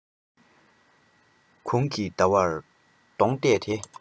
དགུང གི ཟླ བར གདོང གཏད དེ